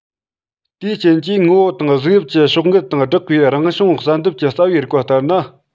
དེའི རྐྱེན གྱིས ངོ བོ དང གཟུགས དབྱིབས ཀྱི ཕྱོགས འགལ དང སྦྲགས པའི རང བྱུང བསལ འདེམས ཀྱི རྩ བའི རིགས པ ལྟར ན